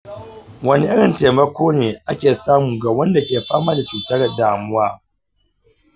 wane irin taimako ne ake samu ga wanda ke fama da cutar damuwa?